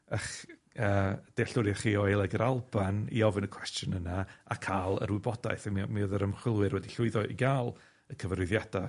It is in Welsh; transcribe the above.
'ych yy dealltwriaeth chi o Aeleg yr Alban i ofyn y cwestiwn yna a ca'l yr wybodaeth, a mi o- mi o'dd yr ymchwilwyr wedi llwyddo i ga'l y cyfarwyddiada.